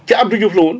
ca abdou Diof la woon